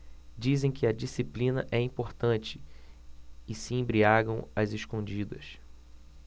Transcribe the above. dizem que a disciplina é importante e se embriagam às escondidas